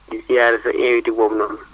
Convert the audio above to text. di ziare sa invité boobu noonu